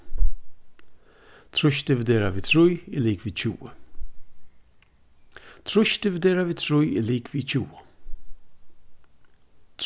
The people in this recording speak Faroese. trýss dividerað við trý er ligvið tjúgu trýss dividerað við trý er ligvið tjúgu